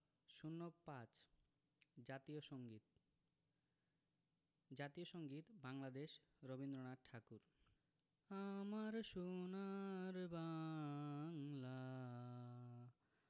০৫ জাতীয় সংগীত জাতীয় সংগীত বাংলাদেশ রবীন্দ্রনাথ ঠাকুর আমার সোনার বাংলা